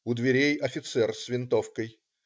У дверей - офицер с винтовкой.